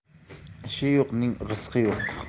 ishi yo'qning rizqi yo'q